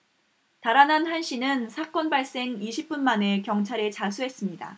달아난 한 씨는 사건 발생 이십 분 만에 경찰에 자수했습니다